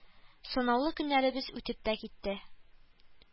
Санаулы көннәребез үтеп тә китте